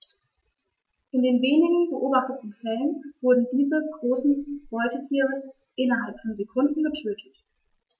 In den wenigen beobachteten Fällen wurden diese großen Beutetiere innerhalb von Sekunden getötet.